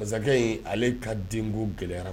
Masakɛ in, ale ka denko gɛlɛyara.